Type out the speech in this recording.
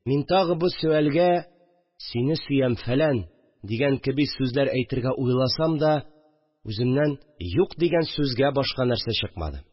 Мин тагы бу сөалгә: «Сине сөям, фәлән», – дигән кеби сүзләр әйтергә уйласам да, үземнән «юк» дигән сүзгә башка нәрсә чыкмады